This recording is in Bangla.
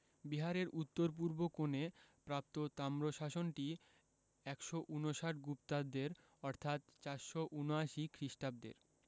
বিহারের উত্তর পূর্ব কোণে প্রাপ্ত তাম্রশাসনটি ১৫৯ গুপ্তাব্দের অর্থাৎ ৪৭৯ খ্রিস্টাব্দের